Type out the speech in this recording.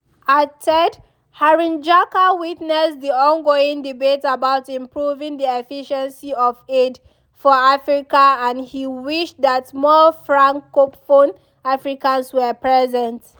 At TED, Harinjaka witnessed the ongoing debate about improving the efficiency of aid for Africa and he wished that more francophone Africans were present.